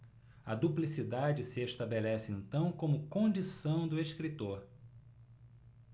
a duplicidade se estabelece então como condição do escritor